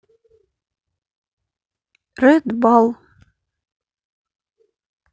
ред бал